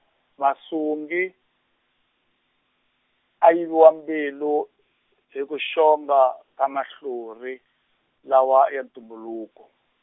Masungi, a yiviwa mbilu hi ku xonga ka mahlori lawa ya ntumbuluko.